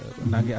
axa kay